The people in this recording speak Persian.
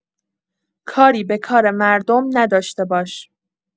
کاری به کار مردم نداشته باش.